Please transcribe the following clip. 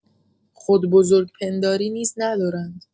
خودبزرگ‌پنداری نیز ندارند.